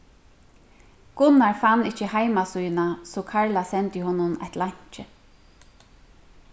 gunnar fann ikki heimasíðuna so karla sendi honum eitt leinki